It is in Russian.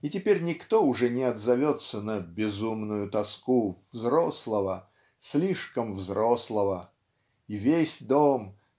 и теперь никто уже не отзовется на "безумную тоску" взрослого слишком взрослого и весь дом